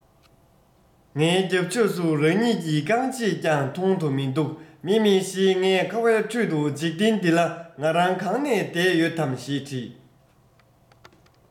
ངའི རྒྱབ ཕྱོགས སུ རང ཉིད ཀྱི རྐང རྗེས ཀྱང མཐོང དུ མི འདུག མཱེ མཱེ ཞེས ངས ཁ བའི ཁྲོད དུ འཇིག རྟེན འདི ལང རང གང ན བསྡད ཡོད དམ ཞེས དྲིས